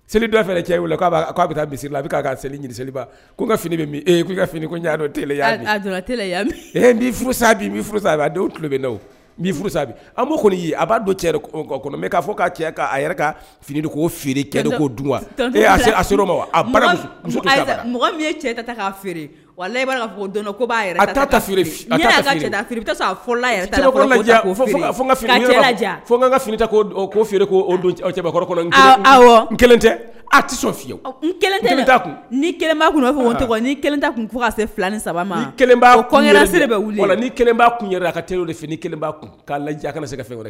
Seli dɔfɛ cɛa a bɛ taa la a bɛ seli fini fini kɔni a b'a cɛ k'a fɔ fini ko feere waa dɔn ko la fini feerekɔrɔ kelen tɛ a tɛ fiye kun ni kelen kun kun ka fila ni saba ma ni kelenba kun a ka teri de fini kelen kun' lajɛ a fɛn